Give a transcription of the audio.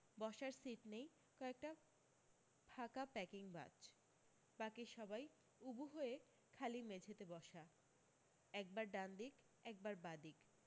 বসার সিট নেই কয়েকটা ফাঁকা প্যাকিং বাচ বাকী সবাই উবু হয়ে খালি মেঝেতে বসা একবার ডানদিক একবার বাঁদিক